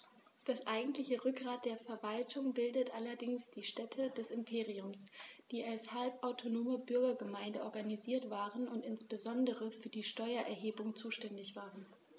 Das eigentliche Rückgrat der Verwaltung bildeten allerdings die Städte des Imperiums, die als halbautonome Bürgergemeinden organisiert waren und insbesondere für die Steuererhebung zuständig waren.